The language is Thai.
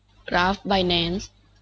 กราฟไบแนนซ์